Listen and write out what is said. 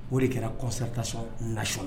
O de kɛra kɔsɔtason natiɔn